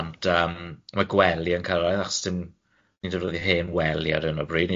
ond yym ma' gwely yn cyrraedd achos s'dim ni'n defnyddio hen wely ar hyn o bryd.